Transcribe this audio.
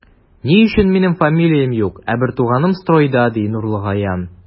Ни өчен минем фамилиям юк, ә бертуганым стройда, ди Нурлыгаян.